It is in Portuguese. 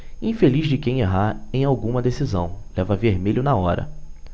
infeliz de quem errar em alguma decisão leva vermelho na hora